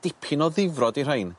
dipyn o ddifrod i rhein